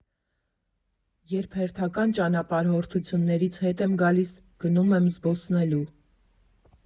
Երբ հերթական ճանապարհորդությունից հետ եմ գալիս, գնում եմ զբոսնելու։